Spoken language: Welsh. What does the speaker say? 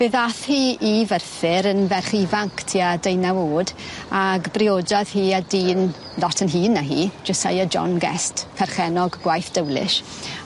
Fe ddath hi i Ferthyr yn ferch ifanc tua deunaw o'd ag briododd hi â dyn lot yn hŷn na hi Josiah John Guest perchennog gwaith Dowlish